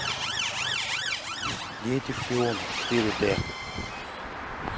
дети шпионов четыре д